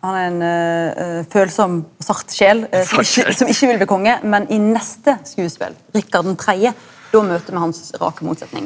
han er ein følsam sart sjel som som ikkje vil bli konge men i neste skodespel Rikard den tredje då møter me hans rake motsetning.